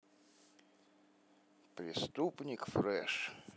преступник фреш